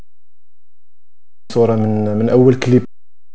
صوره من اول